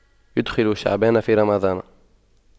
يُدْخِلُ شعبان في رمضان